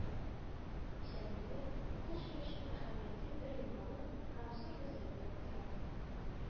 Чәнлеге ул чор өчен әһәмиятле бер яңалык һәм зур хезмәт булып тора